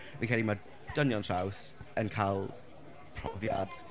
fi'n credu mae dynion traws yn cael profiad...